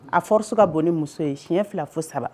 A force ka bon ni muso ye siyɛn fila fo saba